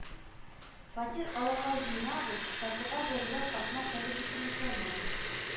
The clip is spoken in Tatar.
Фатир алырга җыенабыз, фатирга бәяләр артмас әле дип өметләнәм